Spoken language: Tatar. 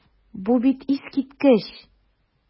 Бу бит искиткеч!